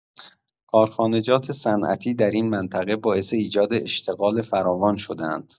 کارخانجات صنعتی در این منطقه باعث ایجاد اشتغال فراوان شده‌اند.